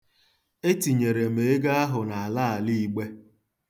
Etinyere m ego ahụ n'alaala igbe.